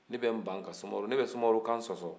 ne bɛ n ban ka sumaworo ne bɛ sumaworo kan sɔsɔ